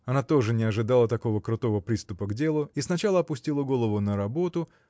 Она тоже не ожидала такого крутого приступа к делу и сначала опустила голову на работу